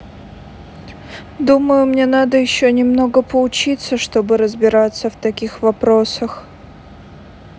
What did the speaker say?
думаю мне надо еще немного поучиться чтобы разбираться в таких вопросах